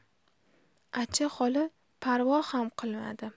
acha xola parvo ham qilmadi